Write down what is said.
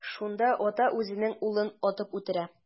Шунда ата үзенең улын атып үтерә.